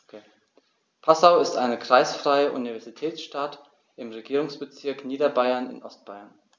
Passau ist eine kreisfreie Universitätsstadt im Regierungsbezirk Niederbayern in Ostbayern.